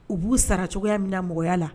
U b'u sara cogoya min na mɔgɔya la